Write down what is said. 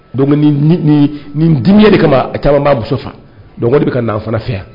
De kama a taa an b'a muso faa bɛ ka fana fɛ yan